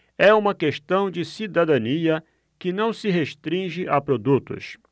é uma questão de cidadania que não se restringe a produtos